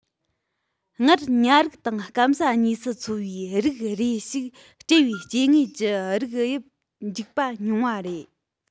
སྔར ཉ རིགས དང སྐམ ས གཉིས སུ འཚོ བའི རིགས རེ ཞིག སྦྲེལ བའི སྐྱེ དངོས ཀྱི རིགས དབྱིབས འཇིག པ ཉུང བ རེད